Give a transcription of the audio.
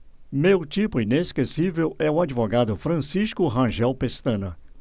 meu tipo inesquecível é o advogado francisco rangel pestana